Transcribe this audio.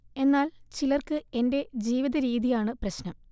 എന്നാൽ ചിലർക്ക് എന്റെ ജീവിത രീതിയാണ് പ്രശ്നം